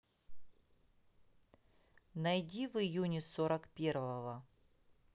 найди в июне сорок первого